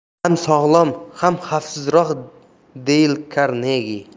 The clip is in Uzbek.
ham sog'lom ham xavfsizroq deyl karnegi